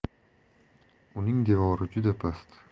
uning devori juda past